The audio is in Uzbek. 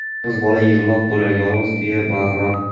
yolg'iz bola yig'loq bo'lar yolg'iz tuya baqiroq